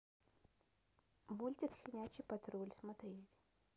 мультик щенячий патруль смотреть